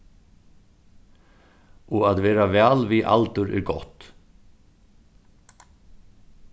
og at vera væl við aldur er gott